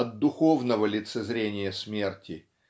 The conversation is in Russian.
от духовного лицезрения смерти